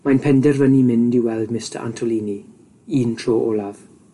Mae'n penderfynu mynd i weld Misty Antolini un tro olaf.